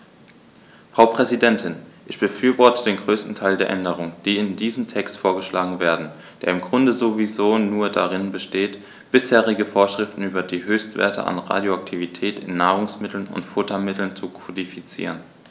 Frau Präsidentin, ich befürworte den größten Teil der Änderungen, die in diesem Text vorgeschlagen werden, der im Grunde sowieso nur darin besteht, bisherige Vorschriften über die Höchstwerte an Radioaktivität in Nahrungsmitteln und Futtermitteln zu kodifizieren.